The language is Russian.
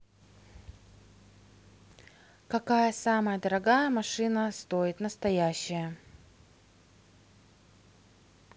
какая самая дорогая машина стоит настоящая